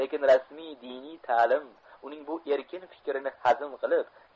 lekin rasmiy diniy talim uning bu erkin fikrini hazm qilib